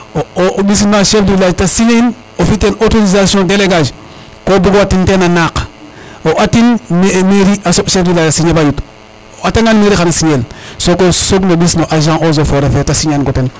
o mbisin ma chef du village signer i o li ten autorisation délégage ko bugo watin tena naq o atin mairie a soɓ chef du village signer ba ƴut o ata ngan mairie xana signer el so o soog no ɓis no agent eaux et foret fe te signer an ngo ten